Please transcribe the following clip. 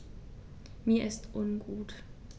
Mir ist ungut.